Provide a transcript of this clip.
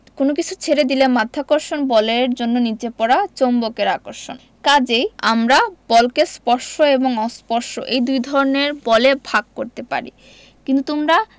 কোনো কিছু ছেড়ে দিলে মাধ্যাকর্ষণ বলের জন্য নিচে পড়া চুম্বকের আকর্ষণ কাজেই আমরা বলকে স্পর্শ এবং অস্পর্শ এই দুই ধরনের বলে ভাগ করতে পারি কিন্তু তোমরা